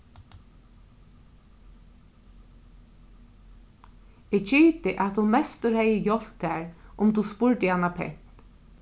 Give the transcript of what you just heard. eg giti at hon mestur hevði hjálpt tær um tú spurdi hana pent